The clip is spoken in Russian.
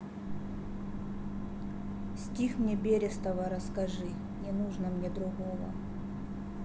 стих мне берестова расскажи не нужно мне другого